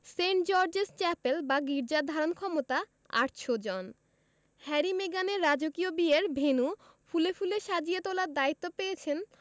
Saint George's Chapel বা গির্জার ধারণক্ষমতা ৮০০ জন হ্যারি মেগানের রাজকীয় বিয়ের ভেন্যু ফুলে ফুলে সাজিয়ে তোলার দায়িত্ব পেয়েছেন